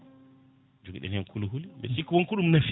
joguiɗen hen kulihuli mbe sikki woon ko ɗum nafi